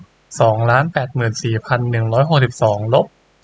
สองล้านแปดหมื่นสี่พันหนึ่งร้อยหกสิบสองลบ